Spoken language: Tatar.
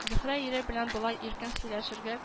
Зөһрә ире белән болай иркен сөйләшергә